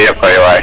iyo koy waay